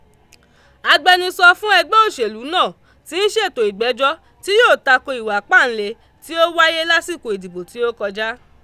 Agbẹnusọ fún ẹgbẹ́ òṣèlú náà ti ń ṣètò ìgbẹ́jọ́ tí yóò tako ìwà ìpáǹle tí ó wáyé lásìkò ìdìbò tí ó kọjá.